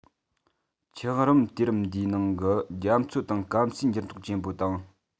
འཁྱགས རོམ དུས རིམ འདིའི ནང གི རྒྱ མཚོ དང སྐམ སའི འགྱུར ལྡོག ཆེན པོ དང